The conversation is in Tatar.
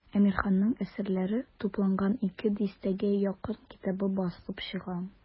Әмирханның әсәрләре тупланган ике дистәгә якын китабы басылып чыга.